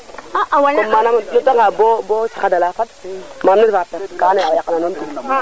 a waña manam nu ndeta nga bo saxada xala fad manam ne refa ka ando naye a yaqa na nuun